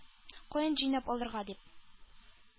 Каян җыйнап алырга? - дип,